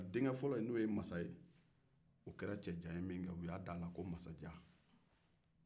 masa min ye denkɛ fɔlɔ ye o kɛra cɛ jan min kɛ u y'a d'a la ko masajan